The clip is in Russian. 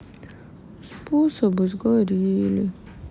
способы сгорели